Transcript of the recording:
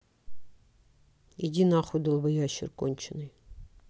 иди нахуй долбоящер конченый